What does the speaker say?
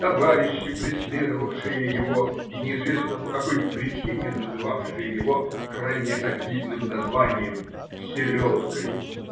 товарищи, преследовавшие его и неизвестно по какой причине называвшие его крайне обидным названием "селедкою"